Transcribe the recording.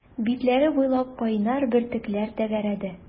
Битләре буйлап кайнар бөртекләр тәгәрәде.